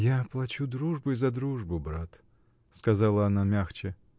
— Я плачу дружбой за дружбу, брат, — сказала она мягче.